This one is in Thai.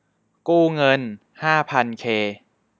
กู้เงินห้าพันเค